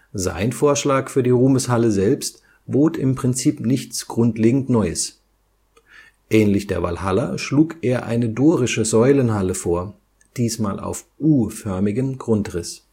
Sein Vorschlag für die Ruhmeshalle selbst bot im Prinzip nichts grundlegend Neues. Ähnlich der Walhalla schlug er eine dorische Säulenhalle vor, diesmal auf U-förmigem Grundriss